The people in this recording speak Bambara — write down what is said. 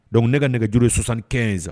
Dɔnku ne ka nɛgɛj sonsanɛnsan